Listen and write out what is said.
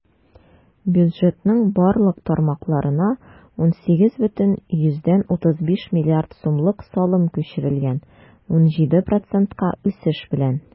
Бюджетның барлык тармакларына 18,35 млрд сумлык салым күчерелгән - 17 процентка үсеш белән.